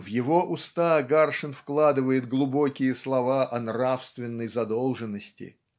В его уста Гаршин вкладывает глубокие слова о нравственной задолженности.